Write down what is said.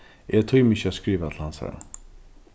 eg tími ikki at skriva til hansara